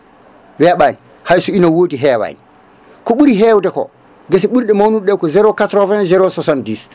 weeɓani hayso ina wodi hewani ko ɓuuri hewde ko guese ɓuurɗe mawnude ɗe ko 0 80 0 70